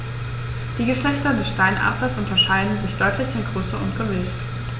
Die Geschlechter des Steinadlers unterscheiden sich deutlich in Größe und Gewicht.